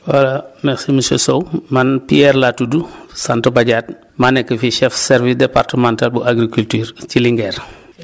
voilà merci monsiaur Sow man Pierre laa tudd sant Badiate maa nekk fii chef service départemental bu agricultuire ci Linguère